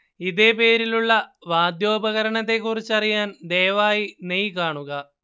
ഇതേ പേരിലുള്ള വാദ്യോപകരണത്തെക്കുറിച്ചറിയാൻ ദയവായി നെയ് കാണുക